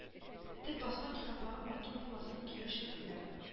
Төп басма китаплары матур буласым килә шигырьләр